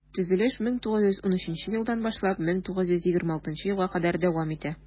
Төзелеш 1913 елдан башлап 1926 елга кадәр дәвам итә.